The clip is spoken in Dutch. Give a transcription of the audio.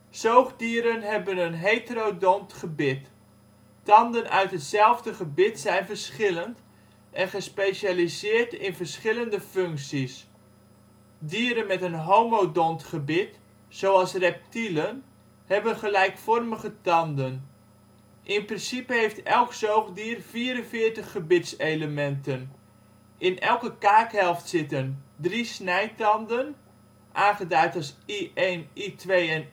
Zoogdieren hebben een heterodont gebit: tanden uit hetzelfde gebit zijn verschillend, en gespecialiseerd in verschillende functies. Dieren met een homodont gebit, zoals reptielen, hebben gelijkvormige tanden. In principe heeft elk zoogdier 44 gebitselementen. In elke kaakhelft zitten: 3 snijtanden (aangeduid als I1, I2 en I3